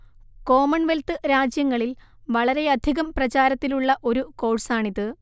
Commonwealth രാജ്യങ്ങളിൽ വളരെയധികം പ്രചാരത്തിലുള്ള ഒരു കോഴ്സാണിത്